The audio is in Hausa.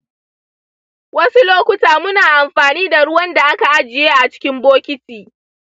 wasu lokuta muna amfani da ruwan da aka ajiye a cikin bukiti.